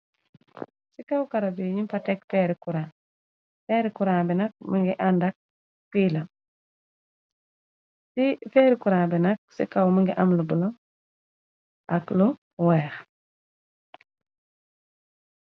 Ci kaw kara bi ñu fa teg feeri kuran, feeri kuran bi nak, mi ngi àndak kiila, ci feeri kuran bi nak ci kaw mi ngi am lu bulo ak lu weex.